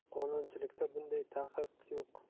qonunchilikda bunday taqiq yo'q